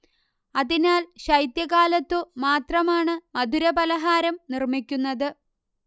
അതിനാൽ ശൈത്യകാലത്തു മാത്രമാണ് മധുരപലഹാരം നിർമ്മിക്കുന്നത്